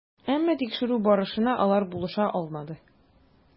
Әмма тикшерү барышына алар булыша алмады.